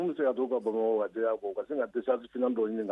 Bɛ se ka bama don ɲini